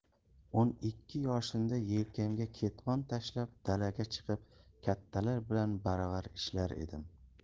o'n ikki yoshimda yelkamga ketmon tashlab dalaga chiqib kattalar bilan baravar ishlar edim